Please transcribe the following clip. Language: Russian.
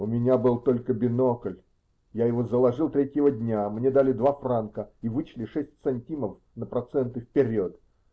-- У меня был только бинокль, я его заложил третьего дня: мне дали два франка и вычли шесть сантимов на проценты вперед.